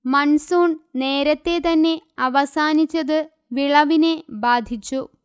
monsoon നേരത്തേതന്നെ അവസാനിച്ചത് വിളവിനെ ബാധിച്ചു